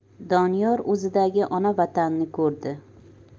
doniyor o'zidagi ona vatanni ko'rdi